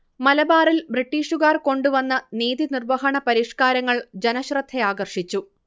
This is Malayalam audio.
മലബാറിൽ ബ്രിട്ടീഷുകാർ കൊണ്ടുവന്ന നീതിനിർവഹണ പരിഷ്കാരങ്ങൾ ജനശ്രദ്ധയാകർഷിച്ചു